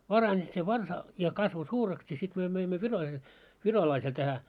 parani se varsa ja kasvoi suureksi ja sitten me möimme - virolaiselle tähän